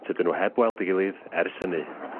Tydyn nhw heb weld ei gilydd ers hynny.